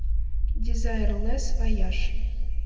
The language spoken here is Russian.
дизайрлес вояж